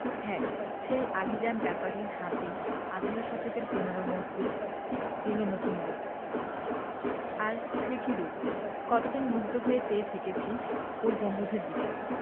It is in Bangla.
হ্যাঁ সেই আলীজান ব্যাপারীর হাতেই আঠারো শতকের পুরোনো মসজিদ পেলো নতুন রুপ আর সে কি রুপ কতদিন মুগ্ধ হয়ে চেয়ে থেকেছি ওর গম্বুজের দিকে